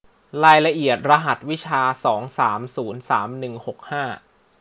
รายละเอียดรหัสวิชาสองสามศูนย์สามหนึ่งหกห้า